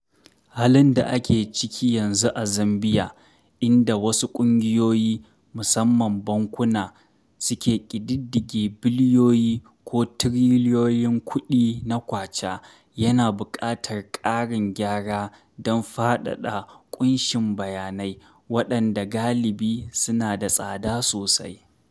Halin da ake ciki yanzu a Zambiya, inda wasu ƙungiyoyi, musamman bankuna suke ƙididdige biliyoyi ko tiriliyoyin kuɗi na Kwacha, yana buƙatar ƙarin gyara don faɗaɗa ƙunshin bayanai, waɗanda galibi suna da tsada sosai.